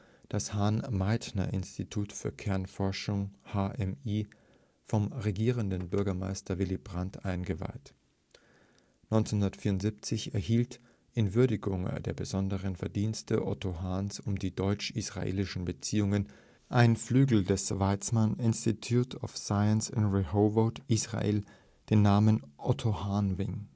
das Hahn-Meitner-Institut für Kernforschung (HMI) vom Regierenden Bürgermeister Willy Brandt eingeweiht. 1974 erhielt – in Würdigung der besonderen Verdienste Otto Hahns um die deutsch-israelischen Beziehungen – ein Flügel des Weizmann Institute of Science in Rehovot (Israel) den Namen Otto Hahn Wing